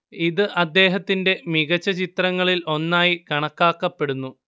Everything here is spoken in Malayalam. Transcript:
ഇത് അദ്ദേഹത്തിന്റെ മികച്ച ചിത്രങ്ങളിൽ ഒന്നായി കണക്കാക്കപ്പെടുന്നു